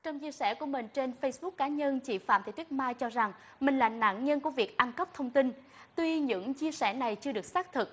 trong chia sẻ của mình trên phây búc cá nhân chị phạm thị tuyết mai cho rằng mình là nạn nhân của việc ăn cắp thông tin tuy những chia sẻ này chưa được xác thực